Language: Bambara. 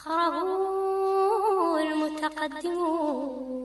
Sanrgɛnin yo